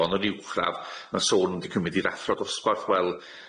on' yn yr uwchradd, ma' sôn 'di cymyd i'r athro dosbarth wel-